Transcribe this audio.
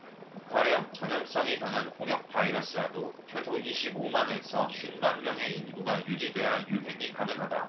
가령 전염성이 강한 홍역 바이러스라도 최소 이십 오 만 에서 쉰 만명의 인구가 유지돼야 유행이 가능하다